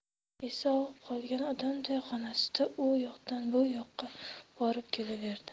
esi og'ib qolgan odamday xonasida u yoqdan bu yoqqa borib kelaverdi